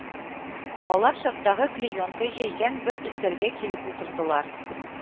Алар чаттагы клеенка җәйгән бер өстәлгә килеп утырдылар